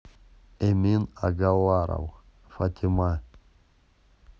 эмин агаларов фатима